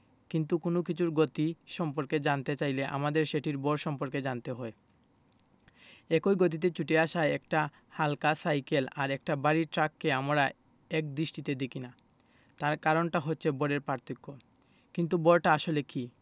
কিন্তু কোনো কিছুর গতি সম্পর্কে জানতে চাইলে আমাদের সেটির ভর সম্পর্কে জানতে হয় একই গতিতে ছুটে আসা একটা হালকা সাইকেল আর একটা ভারী ট্রাককে আমরা একদৃষ্টিতে দেখি না তার কারণটা হচ্ছে ভরের পার্থক্য কিন্তু ভরটা আসলে কী